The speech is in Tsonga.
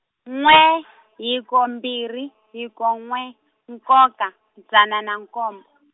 n'we , hiko mbirhi hiko n'we nkoka dzana na nkombo.